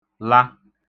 -ne